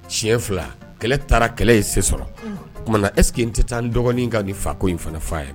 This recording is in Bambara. Tiɲɛ fila kɛlɛ taara kɛlɛ ye sen sɔrɔ kumana na ɛsseke in tɛ taa n dɔgɔnin ka nin fako in fana f fɔ ye